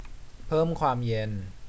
เพิ่มความเย็น